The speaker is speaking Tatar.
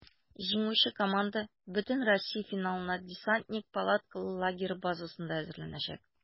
Җиңүче команда бөтенроссия финалына "Десантник" палаткалы лагере базасында әзерләнәчәк.